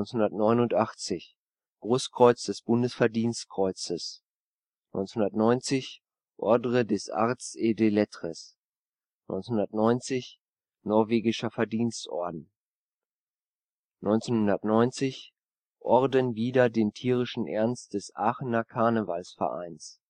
1989 – Großkreuz des Bundesverdienstkreuzes 1990 – Ordre des Arts et des Lettres 1990 – Norwegischer Verdienstorden 1990 – Orden wider den tierischen Ernst des Aachener Karnevalvereins